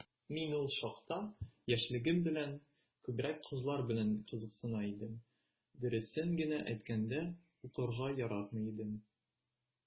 Мин ул чакта, яшьлегем белән, күбрәк кызлар белән кызыксына идем, дөресен генә әйткәндә, укырга яратмый идем...